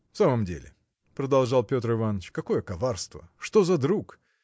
– В самом деле, – продолжал Петр Иваныч, – какое коварство! что за друг!